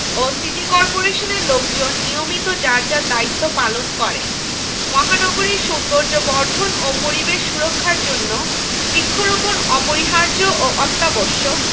ও city কর্পোরেশনের লোকজন নিয়মিত যার যার দায়িত্ব পালন করেন মহানগরীর সৌন্দর্যবর্ধন ও পরিবেশ সুরক্ষার জন্য বৃক্ষরোপণ অপরিহার্য ও অত্যাবশ্যক